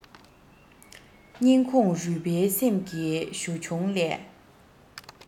སྙིང ཁོངས རུས པའི སེམས ཀྱི གཞུ ཆུང ལས